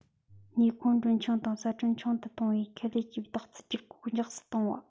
ནུས ཁུངས གྲོན ཆུང དང ཟད གྲོན ཆུང དུ གཏོང བའི ཁེ ལས ཀྱི ལག རྩལ བསྒྱུར བཀོད མགྱོགས སུ བཏང བ